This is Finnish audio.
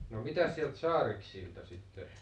no mitäs sieltä Saareksilta sitten